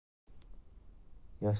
yoshlarning bu qilig'iga